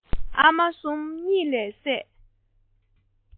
ཨ མ གསུམ གཉིད ལས སད